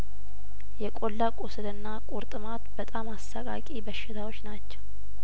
የቆላ ቁስልና ቁርጥማት በጣም አሰቃቂ በሽታዎች ናቸው